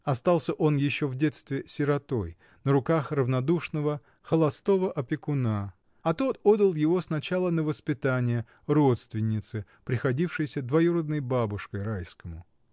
Остался он еще в детстве сиротой, на руках равнодушного, холостого опекуна, а тот отдал его сначала на воспитание родственнице, приходившейся двоюродной бабушкой Райскому.